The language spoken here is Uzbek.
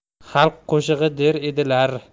xalq qo'shig'i der edilar